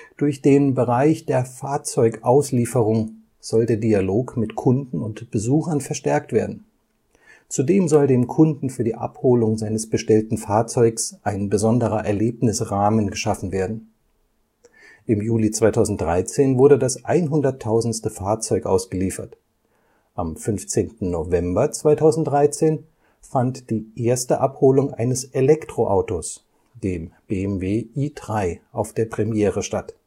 Durch den Bereich der Fahrzeugauslieferung soll der Dialog mit Kunden und Besuchern verstärkt werden, zudem soll dem Kunden für die Abholung seines bestellten Fahrzeugs ein besonderer Erlebnisrahmen geschaffen werden. Im Juli 2013 wurde das 100.000ste Fahrzeug ausgeliefert; am 15. November 2013 fand die erste Abholung eines Elektroautos, dem BMW i3, auf der Premiere statt